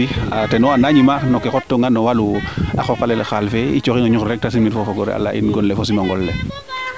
teno a na gnimaa no ke xot toona no waalu a qooqale xaal fee i coxin o ñuxrele rek te simnir fo o fogole a leya in gonle fo simangol le